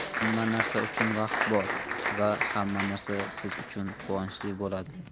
hamma narsa uchun vaqt bor va hamma narsa siz uchun quvonchli bo'ladi